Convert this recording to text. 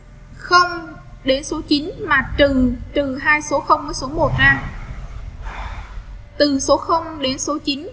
không đến số mà chừng từ hai số không có số a từ số đến số